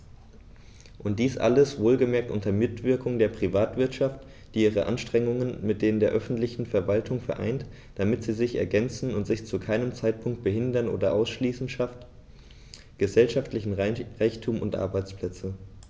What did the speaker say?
Und dies alles - wohlgemerkt unter Mitwirkung der Privatwirtschaft, die ihre Anstrengungen mit denen der öffentlichen Verwaltungen vereint, damit sie sich ergänzen und sich zu keinem Zeitpunkt behindern oder ausschließen schafft gesellschaftlichen Reichtum und Arbeitsplätze.